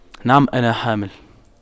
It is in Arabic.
نعم أنا حامل